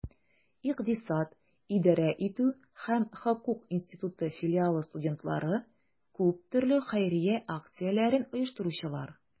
Икътисад, идарә итү һәм хокук институты филиалы студентлары - күп төрле хәйрия акцияләрен оештыручылар.